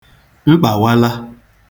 mkpàwala